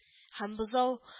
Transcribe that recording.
Һәм бозау